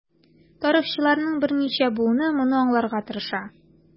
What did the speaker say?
Тарихчыларның берничә буыны моны аңларга тырыша.